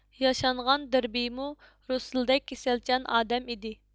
ياشانغان دېربيمۇ رۇسسېلدەك كېسەلچان ئادەم ئىدى